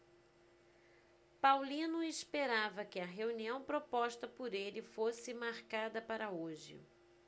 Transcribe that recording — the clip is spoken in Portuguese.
paulino esperava que a reunião proposta por ele fosse marcada para hoje